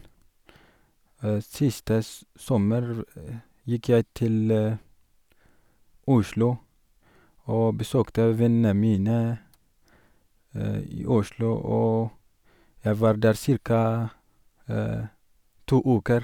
Siste s sommer gikk jeg til Oslo og besøkte vennene mine i Oslo, og jeg var der cirka to uker.